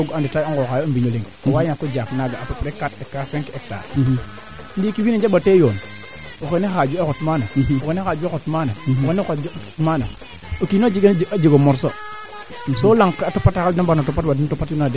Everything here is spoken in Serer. o qol daal Djiby leŋ keeke xam leyin teen o xesa nga leyele o qol laawo xaay presque kam leyoogu fo o qooro leŋ yenga xaana me na jamano nam wiin we mbaand toogu xa qol nam wiin we njeg toogu xa qol te leyaame a na jamano de